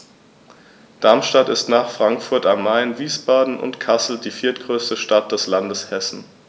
Darmstadt ist nach Frankfurt am Main, Wiesbaden und Kassel die viertgrößte Stadt des Landes Hessen